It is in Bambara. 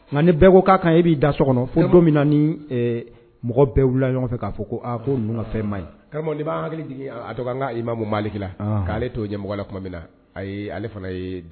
Nka ni bɛɛ ko k' kan e b'i da so kɔnɔ fo don min na ni mɔgɔ bɛɛ wili ɲɔgɔn fɛ k'a fɔ ko aa ko fɛn ma ɲi karamɔgɔ b'a hakili a to i ma mun maliki la k'ale t'o ɲɛ mɔgɔ la tuma min na ayi ale fana ye